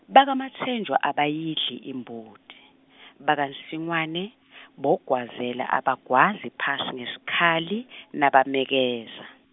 BakaMatsenjwa abayidli imbuti , bakaNsingwane , boGwazela abagwazi phansi ngesikhali , nabamekeza.